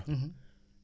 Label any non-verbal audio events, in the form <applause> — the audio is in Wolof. <hesitation> <hesitation>